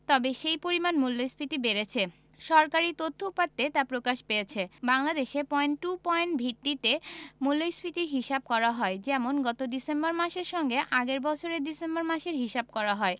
তবে সেই পরিমাণ মূল্যস্ফীতি বেড়েছে সরকারি তথ্য উপাত্তে তা প্রকাশ পেয়েছে বাংলাদেশে পয়েন্ট টু পয়েন্ট ভিত্তিতে মূল্যস্ফীতির হিসাব করা হয় যেমন গত ডিসেম্বর মাসের সঙ্গে আগের বছরের ডিসেম্বর মাসের হিসাব করা হয়